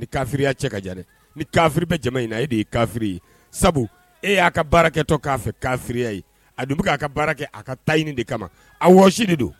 Ni kafiriya cɛ ka jan dɛ, ni kafiri bɛ jama in na e de ye kafiri ye sabu e y'a ka baara kɛtɔ k'a fɛ kafiriya ye a dun bɛ ka baara kɛ a ka taɲini de kama a wasi de don